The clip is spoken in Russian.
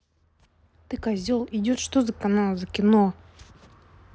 ты козел идет что за канал за кино